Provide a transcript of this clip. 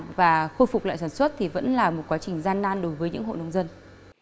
và khôi phục lại sản xuất thì vẫn là một quá trình gian nan đối với những hộ nông dân